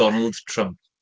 Donald Trump.